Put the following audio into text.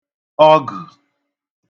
ogə̣̀